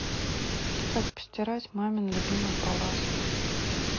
как постирать мамин любимый палас